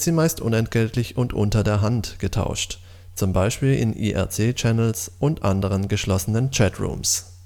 meist unentgeltlich und „ unter der Hand “getauscht, z. B. in IRC-Channels und anderen geschlossenen Chatrooms